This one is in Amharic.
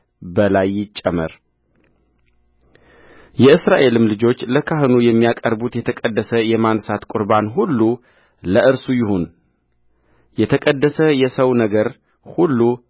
በላይ ይጨመርየእስራኤልም ልጆች ለካህኑ የሚያቀርቡት የተቀደሰ የማንሣት ቍርባን ሁሉ ለእርሱ ይሁንየተቀደሰ የሰው ነገር ሁሉ